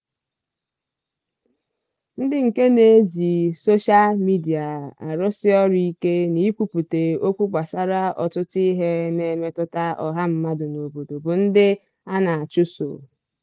Ndị nke na-eji sosha midia arụsị ọrụ ike n'ikwupụta okwu gbasara ọtụtụ ihe na-emetụta ọha mmadụ n'obodo bụ ndị a na-achụso.